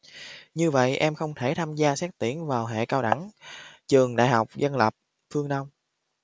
như vậy em không thể tham gia xét tuyển vào hệ cao đẳng trường đại học dân lập phương đông